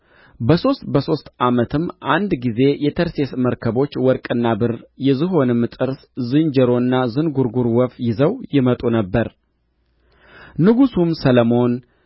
በሦስት በሦስት ዓመትም አንድ ጊዜ የተርሴስ መርከቦች ወርቅና ብር የዝሆንም ጥርስ ዝንጀሮና ዝንጕርጕር ወፍ ይዘው ይመጡ ነበር ንጉሡም ሰሎሞን